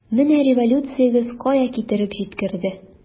Менә революциягез кая китереп җиткерде!